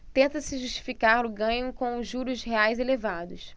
tenta-se justificar o ganho com os juros reais elevados